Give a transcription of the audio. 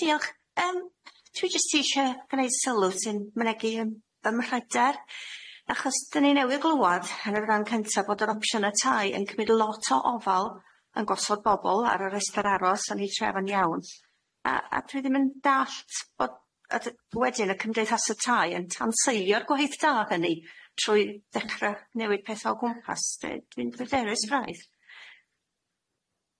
Diolch yym dwi jyst isie gneud sylw sy'n mynegi ym- ym mhryder achos dyn ni newydd glwad yn yr ran cynta bod yr opsiyne tai yn cymyd lot o ofal yn gwasod bobol ar y restr aros yn ei trefan iawn a a dwi ddim yn dallt bod a dy- wedyn y cymdeithasa tai yn tanseilio'r gwaith da hynny trwy ddechre newid petha o gwmpas de dwi'n dwi'n bryderus braidd.